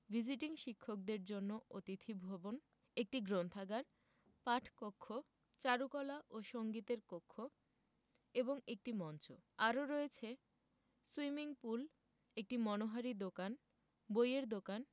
visiting শিক্ষকদের জন্য অতিথি ভবন একটি গ্রন্থাগার পাঠকক্ষ চারুকলা ও সঙ্গীতের কক্ষ এবং একটি মঞ্চ আরও রয়েছে সুইমিং পুল একটি মনোহারী দোকান বইয়ের দোকান